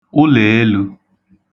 ụlèelū